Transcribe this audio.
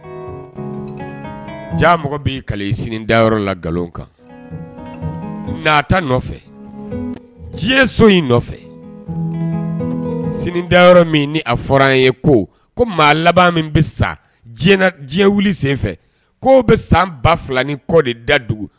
Da la nkalon kan diɲɛ in da min a fɔra an ye ko ko maa laban min bɛ sa diɲɛ wili sen k' bɛ san ba kɔ de da dugu